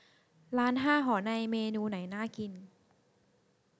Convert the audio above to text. ร้านห้าหอในเมนูไหนน่ากิน